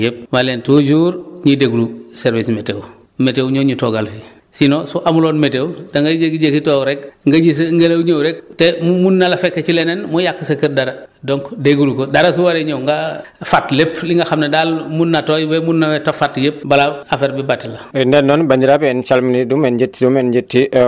ñëw jël xibaar bi gërëm ñëpp ay auditeurs yi auditrices yi yëpp wax leen toujours ñuy déglu service météo météo ñoo ñu toogal fii sinon su amuloon météo da ngay jékki-jékki toog rek nga gis ngelaw ñëw rek te mun na la fekk ci leneen mu yàq sa kër dara donc déglu ko dara su waree ñëw nga fat lépp li nga xam ne daal mën na tooy ba mu nawet fat yëpp balaa affaire bi bett la